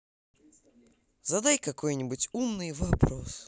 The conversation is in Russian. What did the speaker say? задай какой нибудь умный вопрос